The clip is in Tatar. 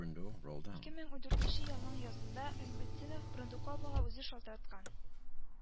Ике мең ундуртенче елның язында гыйлметдинов брундуковага үзе шалтыраткан